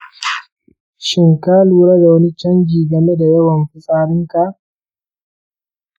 shin ka lura da wani canji game da yawan fitsarinka?